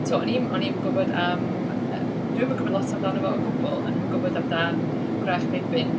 Tibod o'n i'm o'n i'm yn gwbod am yy... Dwi'm yn gwybod lot amdano fo o gwbl, o'n ni'm yn gwybod amdan Gwrach Rhibyn